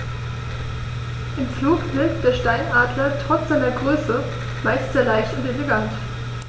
Im Flug wirkt der Steinadler trotz seiner Größe meist sehr leicht und elegant.